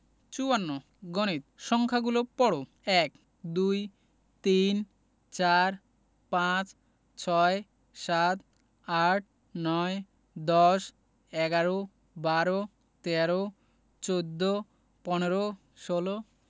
৫৪ গণিত সংখ্যাগুলো পড়ঃ ১ - এক ২ - দুই ৩ - তিন ৪ – চার ৫ – পাঁচ ৬ - ছয় ৭ - সাত ৮ - আট ৯ - নয় ১০ – দশ ১১ - এগারো ১২ - বারো ১৩ - তেরো ১৪ - চৌদ্দ ১৫ – পনেরো ১৬ - ষোল